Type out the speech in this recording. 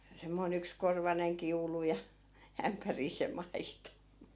semmoinen yksikorvainen kiulu ja ämpäriin se maito